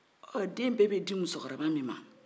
den bɛɛ bɛ di musokɔrɔ ba in de ma